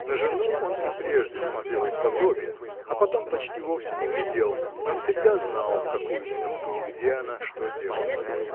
На жену он и прежде смотрел исподлобья, а потом почти вовсе не глядел, но всегда знал, в какую минуту где она, что делает.